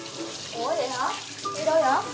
ủa dậy hả đi đâu dợ